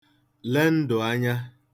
le ndụ̀ anya